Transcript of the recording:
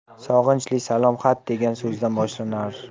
sog'inchli salom xat degan so'zdan boshlardi